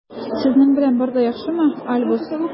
Синең белән бар да яхшымы, Альбус?